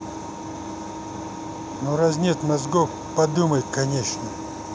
ну раз нет мозгов подумай конечно